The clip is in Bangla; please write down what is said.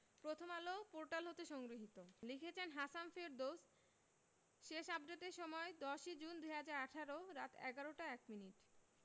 প্রথমআলো পোর্টাল হতে সংগৃহীত লিখেছেন হাসাম ফেরদৌস শেষ আপডেটের সময় ১০ জুন ২০১৮ রাত ১১টা ১ মিনিট